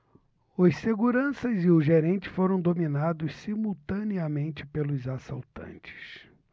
os seguranças e o gerente foram dominados simultaneamente pelos assaltantes